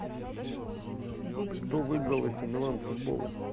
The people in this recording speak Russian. кто выиграл если милан футбол